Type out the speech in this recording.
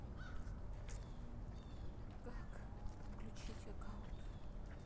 как подключить аккаунт